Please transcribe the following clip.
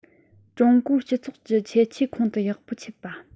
ཀྲུང གོའི སྤྱི ཚོགས ཀྱི ཁྱད ཆོས ཁོང དུ ཡག པོ ཆུད པ